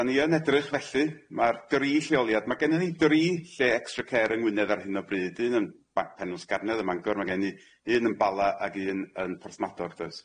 Dan ni yn edrych felly ma'r dri lleoliad ma' gennyn ni dri lle extra care yng Ngwynedd ar hyn o bryd un yn Ba- Penwsgarnedd ym Mangor ma' gennyn ni un yn Bala ag un yn Porthmadog does?